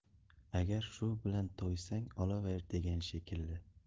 agar shu bilan to'ysang olaver degan shekilli